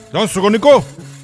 Don soni ko